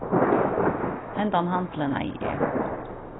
hendan handilin eigi eg